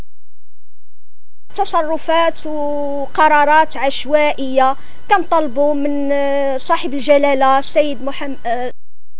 تصرفات قرارات عشوائيه تم طلب من صاحب الجلاله سيد محمد